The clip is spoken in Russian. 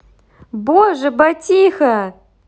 боже батиха